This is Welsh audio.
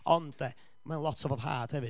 Ond de, mae o'n lot o foddhad hefyd.